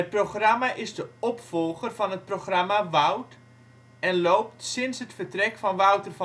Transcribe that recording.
programma is de opvolger van het programma Wout!, en loopt sinds het vertrek van Wouter